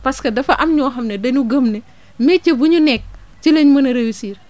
parce que dafa am ñoo xam ne dañu gëm ne métier bu ñu nekk ci lañ mën a réussir